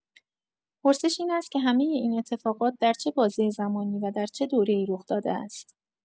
پرسش این است که همۀ این اتفاقات در چه بازۀ زمانی و در چه دوره‌ای رخ‌داده است؟